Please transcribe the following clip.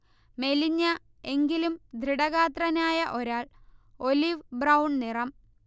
മെലിഞ്ഞ, എങ്കിലും ദൃഢഗാത്രനായ ഒരാൾ, ഒലിവ്-ബ്രൗൺ നിറം